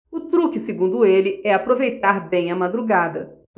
o truque segundo ele é aproveitar bem a madrugada